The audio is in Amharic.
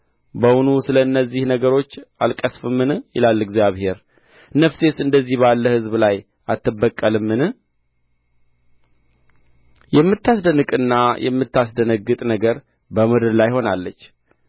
በውኑ ስለ እነዚህ ነገሮች አልቀሥፍምን ይላል እግዚአብሔር ነፍሴስ እንደዚህ ባለ ሕዝብ ላይ አትበቀልምን የምታስደንቅና የምታስደነግጥ ነገር በምድር ላይ ሆናለች